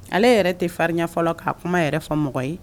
Ale yɛrɛ tɛ farinya fɔlɔ k'a kuma yɛrɛ fɔ mɔgɔ ye